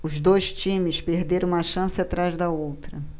os dois times perderam uma chance atrás da outra